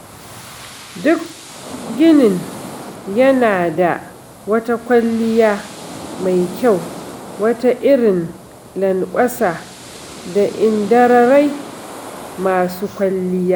Duk ginin yana da wata kwalliya mai kyau - wata irin lanƙwasa da indararai masu kwalliya.